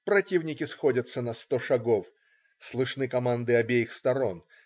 Противники сходятся на сто шагов. Слышны команды обеих сторон.